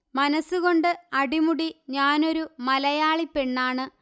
മനസ്സുകൊണ്ട് അടിമുടി ഞാനൊരു മലയാളിപ്പെണ്ണാണ്